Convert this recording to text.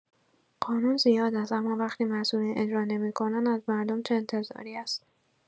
قانون زیاد است، اما وقتی مسئولین اجرا نمی‌کنند، از مردم چه انتظاری هست؟